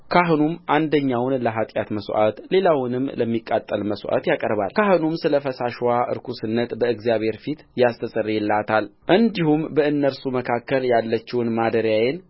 ካህኑም አንደኛውን ለኃጢአት መሥዋዕት ሌላውንም ለሚቃጠል መሥዋዕት ያቀርባል ካህኑም ስለ ፈሳሽዋ ርኵስነት በእግዚአብሔር ፊት ያስተሰርይላታልእንዲሁም በእነርሱ መካከል ያለችውን ማደሪያዬን